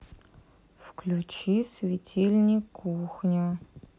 выключи светильник кухня